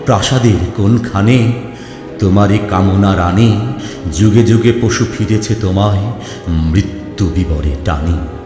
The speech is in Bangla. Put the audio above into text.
প্রাসাদের কোন্খানে তোমারি কামনা রাণী যুগে যুগে পশু ফিরেছে তোমায় মৃত্যু বিবরে টানি